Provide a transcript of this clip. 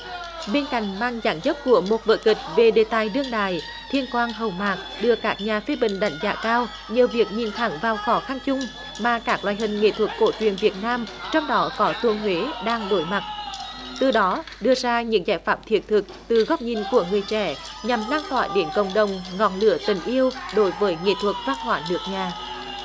bên cạnh mang dáng dấp của một vở kịch về đề tài đương đại thiên quang hậu mạc được các nhà phê bình đánh giá cao nhờ việc nhìn thẳng vào khó khăn chung mà các loại hình nghệ thuật cổ truyền việt nam trong đó có tuồng huế đang đối mặt từ đó đưa ra những giải pháp thiết thực từ góc nhìn của người trẻ nhằm lan tỏa đến cộng đồng ngọn lửa tình yêu đối với nghệ thuật phác họa nước nhà